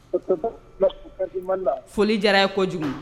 Foli jara ye kojugu